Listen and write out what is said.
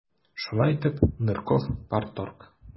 Шулай итеп, Нырков - парторг.